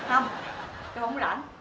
hông tôi hông rảnh